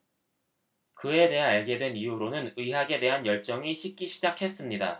그에 대해 알게 된 이후로는 의학에 대한 열정이 식기 시작했습니다